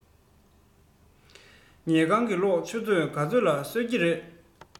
ཉལ ཁང གི གློག ཆུ ཚོད ག ཚོད ལ གསོད ཀྱི རེད